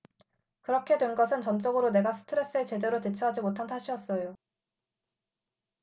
그렇게 된 것은 전적으로 내가 스트레스에 제대로 대처하지 못한 탓이었어요